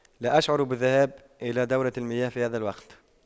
لا أشعر بالذهاب الى دورة المياه في هذا الوقت